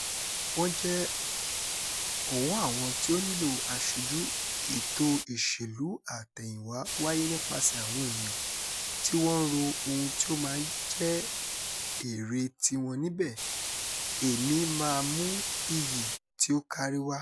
Wọ́n jẹ́ ọ̀wọ́ àwọn tí ó nílò aṣojú. Ètò ìṣèlú àtẹ̀yìnwá wáyé nípasẹ̀ àwọn èèyàn tí wọ́n ń ro ohun tí ó máa jẹ́ èrèe tiwọn níbẹ̀, èmi máa mú iyì tí ó kárí wá.